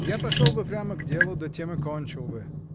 — Я пошел бы прямо к делу, да тем и кончил бы!